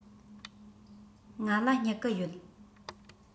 ང ལ སྨྱུ གུ ཡོད